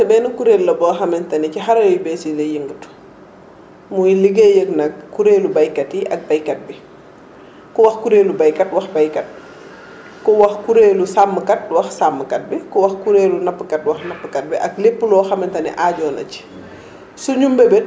ah Jokalante benn kuréel la boo xamante ne ci xarala yu bees yi lay yëngatu muy liggéey ak nag kuréelu béykat yi ak béykat bi ku wax kuréelu béykat wax béykat ku wax kuréelu sàmmkat wax sàmmkat bi ku wax kuréelu nappkat wax nappkat bi ak lépp loo xamante ne aajoo na ci